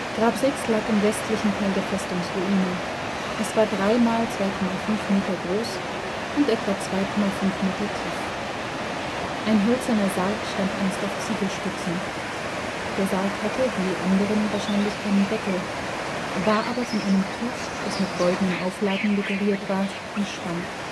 Grab 6 lag im westlichen Teil der Festungsruine. Es war 3 x 2,5 m groß und etwa 2,5 m tief. Ein hölzerner Sarg stand einst auf Ziegelstützen. Der Sarg hatte, wie die anderen, wahrscheinlich keinen Deckel, war aber in einem Tuch, das mit goldenen Auflagen dekoriert war, umspannt